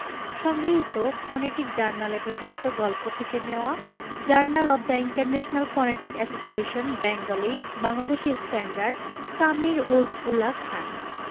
সংগৃহীত ফনেটিক জার্নালে ব্যবহৃত গল্প থেকে নেওয়া journal of the international phonetic association Bengali Bangladeshi standard Samir ud Daula Khan